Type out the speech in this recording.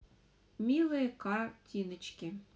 милые картиночки